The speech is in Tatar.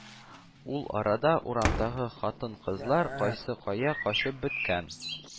Ул арада урамдагы хатын-кызлар кайсы кая качып беткән,